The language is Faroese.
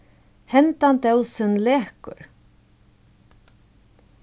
henda dósin lekur